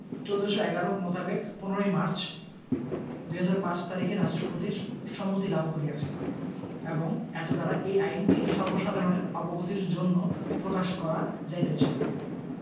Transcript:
১৪১১ মোতাবেক ১৫ই মার্চ ২০০৫ তারিখে রাষ্ট্রপতির সম্মতি লাভ করিয়াছে এবং এতদ্বারা এই আইনটি সর্বসাধারণের অবগতির জন্য প্রকাশ করা যাইতেছে